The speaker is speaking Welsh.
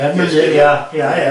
Penmynydd... Ia ia ia.